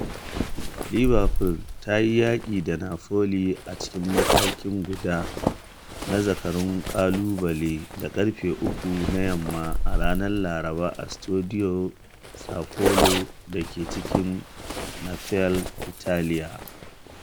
Liverpool ta yi yaki da Napoli a cikin matakin gungu na Zakarun Kalubalen da karfe 3 na yamma a ranar Laraba a Stadio San Paolo da ke cikin Naples, Italiya.